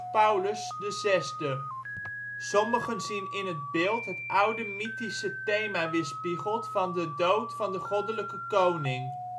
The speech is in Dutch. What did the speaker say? paus Paulus VI. Sommigen zien in het beeld het oude mythische thema weerspiegeld van ' de dood van de goddelijke koning